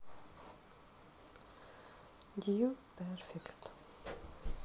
дью перфикт